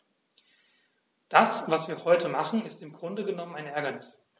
Das, was wir heute machen, ist im Grunde genommen ein Ärgernis.